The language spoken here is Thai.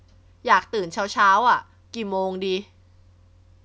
อยากตื่นเช้าเช้าอะกี่โมงดี